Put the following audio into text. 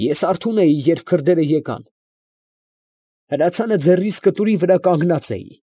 Ես արթուն էի, երբ քրդերը եկան, հրացանը ձեռիս կտուրի վրա կանգնած էի։